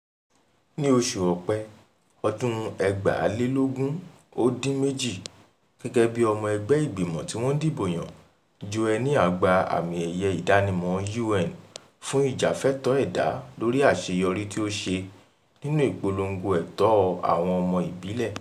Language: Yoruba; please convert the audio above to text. Ní oṣù Ọ̀pẹ ọdún-un 2018, gẹ́gẹ́ bí ọmọ ẹgbẹ́ ìgbìmọ̀ tí wọ́n dìbò yàn, Joenia gba àmì ẹ̀yẹ ìdánimọ̀ UN fún ìjàfẹ́tọ̀ọ́ ẹ̀dá lórí àṣeyọrí tí ó ṣe nínú ìpolongo ẹ̀tọ́ àwọn ọmọ ìbílẹ̀.